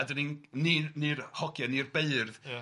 a dan ni'n ni'n ni'r hogiau ni'r beirdd ia.